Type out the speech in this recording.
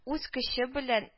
Үз көче белән